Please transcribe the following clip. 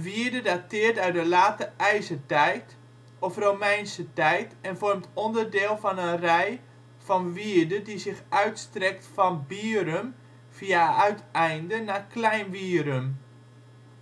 wierde dateert uit de late ijzertijd of Romeinse tijd en vormt onderdeel van een rij van wierden die zich uitstrekt van Bierum via Uiteinde naar Klein Wierum.